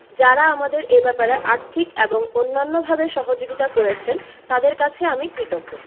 যারা আমাদের এ ব্যাপারে আর্থিক এবং অন্যান্যভাবে সহযোগিতা করেছেন তাঁদের কাছে আমি কৃতজ্ঞ